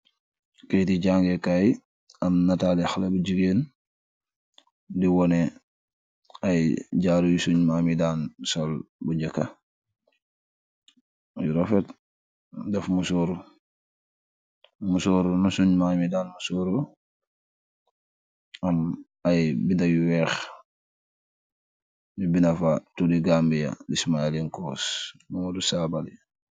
Keyteh jàngeekaay am nataali xale yu jigeen di wone ay jaaruy suñ maami daan sol bu njëkka yu rofet def mu soorumu sooru nu suñ maami daan mu sooro am ay bina yu weex nu binafa tuli gàmbiya , the smiling coast Momadou Sabally.